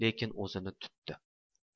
lekin o'zini tutdi